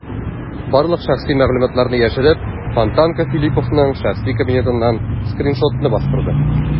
Барлык шәхси мәгълүматларны яшереп, "Фонтанка" Филипповның шәхси кабинетыннан скриншотны бастырды.